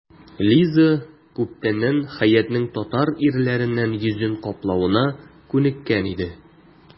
Лиза күптәннән Хәятның татар ирләреннән йөзен каплавына күнеккән иде.